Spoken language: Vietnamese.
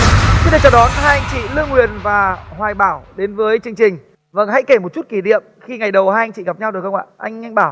được chào đón hai anh chị lương huyền và hoài bảo đến với chương trình vâng hãy kể một chút kỷ niệm khi ngày đầu hai anh chị gặp nhau được không ạ anh bảo